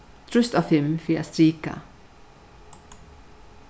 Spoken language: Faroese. trýst á fimm fyri at strika